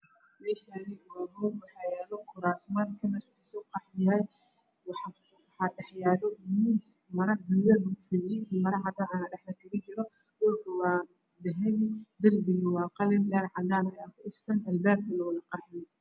Meeshaan waa hool waxaa yaalo kuraasman qaxwi waxaa dhex yaalo miis maro gaduudan lugu fidiyay maro cad na dhexda kaga jirto. Roogu waa dahabi darbiga waa qalin. Daah cadaan ah ayaa kudhagsan albaabkuna waa qaxwi.